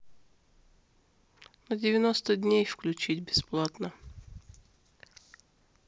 на девяносто дней включить бесплатно